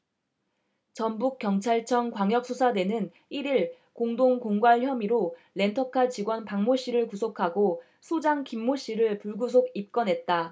전북경찰청 광역수사대는 일 일 공동공갈 혐의로 렌터카 직원 박모씨를 구속하고 소장 김모씨를 불구속 입건했다